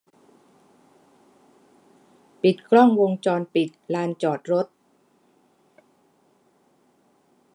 ปิดกล้องวงจรปิดลานจอดรถ